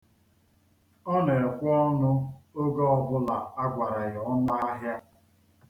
Ọ na-ekwe ọnụ oge ọbụla a gwara ya ọnụ ahịa.